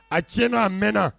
A tiɲɛna a mɛnna!